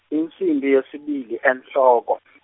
insimbi yesibili enhloko .